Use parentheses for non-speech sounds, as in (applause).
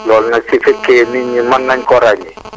loolu nga su fekkee nit ñi mën nañu ko ràññee (noise)